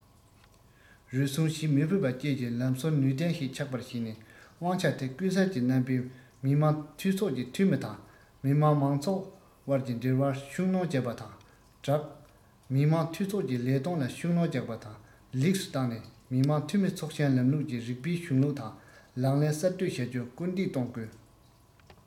རུལ སུངས བྱེད མི ཕོད པ བཅས ཀྱི ལམ སྲོལ ནུས ལྡན ཞིག ཆགས པར བྱས ནས དབང ཆ དེ ཀུན གསལ གྱི རྣམ པའི མི དམངས འཐུས ཚོགས ཀྱི འཐུས མི དང མི དམངས མང ཚོགས དབར གྱི འབྲེལ བར ཤུགས སྣོན རྒྱག པ དང སྦྲགས མི དམངས འཐུས ཚོགས ཀྱི ལས དོན ལ ཤུགས སྣོན རྒྱག པ དང ལེགས སུ བཏང ནས མི དམངས འཐུས མི ཚོགས ཆེན ལམ ལུགས ཀྱི རིགས པའི གཞུང ལུགས དང ལག ལེན གསར གཏོད བྱ རྒྱུར སྐུལ འདེད གཏོང དགོས